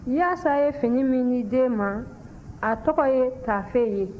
yaasa ye fini min di den ma a tɔgɔ ye taafe ye